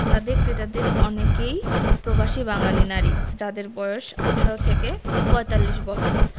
তাঁদের ক্রেতাদের অনেকেই প্রবাসী বাঙালি নারী যাঁদের বয়স ১৮ থেকে ৪৫ বছর